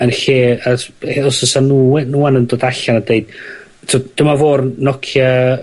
yn lle os -he os o's a nw we- nw 'wan yn dod allan a deud t'od dyma fo'r Nokia